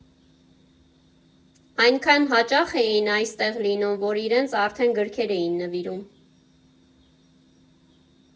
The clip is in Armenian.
Այնքան հաճախ էին այստեղ լինում, որ իրենց արդեն գրքեր էին նվիրում։